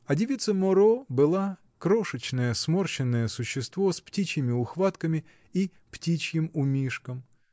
а девица Моро была крошечное сморщенное существо с птичьими ухватками и птичьим умишком.